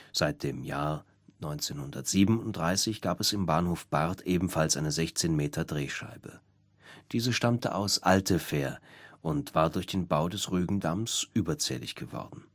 Seit dem Jahr 1937 gab es im Bahnhof Barth ebenfalls eine 16-m-Drehscheibe. Diese stammte aus Altefähr und war dort durch den Bau des Rügendamms überflüssig geworden